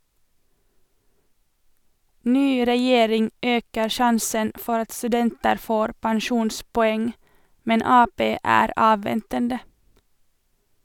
Ny regjering øker sjansen for at studenter får pensjonspoeng, men Ap er avventende.